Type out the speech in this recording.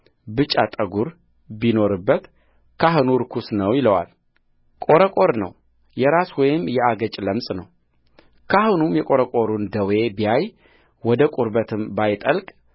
ብጫ ጠጕር ቢኖርበት ካህኑ ርኩስ ነው ይለዋል ቈረቈር ነው የራስ ወይም የአገጭ ለምጽ ነውካህኑም የቈረቈሩን ደዌ ቢያይ ወደ ቁርበቱም ባይጠልቅ